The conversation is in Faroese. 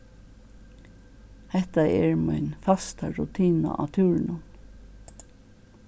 hetta er mín fasta rutina á túrinum